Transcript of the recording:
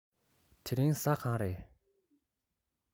དེ རིང གཟའ གང རས